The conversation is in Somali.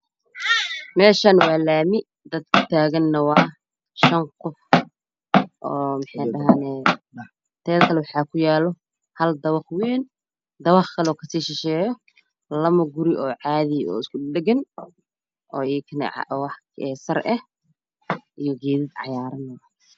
Meshaan waa lami dadka taagana waa shan qof teeda kale waxaa kuyo dapaq ween daba1 kle kasii shisheeyo lapo guri caadi oo isku dhadhagan oo sar ah iyo geeda cagaaran